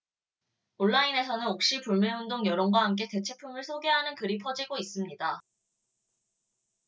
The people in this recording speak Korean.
온라인에서는 옥시 불매운동 여론과 함께 대체품을 소개하는 글이 퍼지고 있습니다